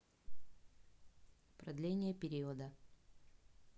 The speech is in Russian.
продление периода